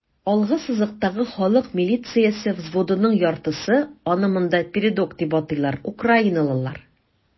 Алгы сызыктагы халык милициясе взводының яртысы (аны монда "передок" дип атыйлар) - украиналылар.